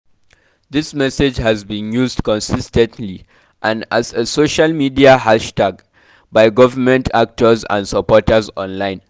This message has been used consistently, and as a social media hashtag, by government actors and supporters online.